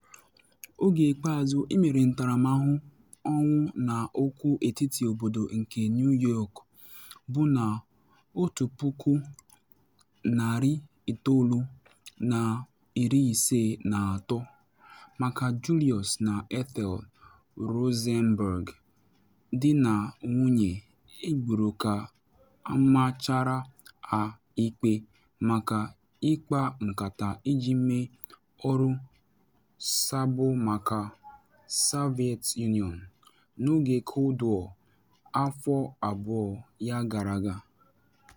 Oge ikpeazụ emere ntaramahụhụ ọnwụ na okwu etiti obodo nke New York bụ na 1953 maka Julius na Ethel Rosenberg, di na nwunye egburu ka amachara ha ikpe maka ịkpa nkata iji mee ọrụ sabo maka Soviet Union n’oge Cold War afọ abụọ ya gara aga.